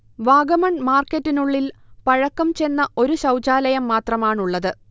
വാഗമൺ മാർക്കറ്റിനുള്ളിൽ പഴക്കം ചെന്ന ഒരു ശൗചാലയം മാത്രമാണുള്ളത്